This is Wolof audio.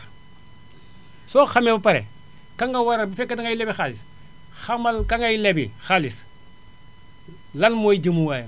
soo ko xamee ba pare ka nga war a bu fekkee dangay lebi xaalis xamal ka ngay lebi xaalis lan mooy jëmuwaayam